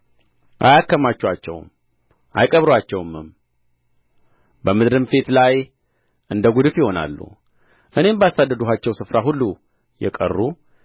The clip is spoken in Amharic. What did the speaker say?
አያከማቹአቸውም አይቀብሩአቸውምም በምድርም ፊት ላይ እንደ ጕድፍ ይሆናሉ እኔም ባሳደድኋቸው ስፍራ ሁሉ የቀሩ